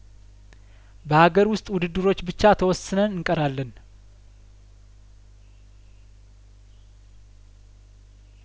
በሀገር ውስጥ ውድድሮች ብቻ ተወስነን እንቀራለን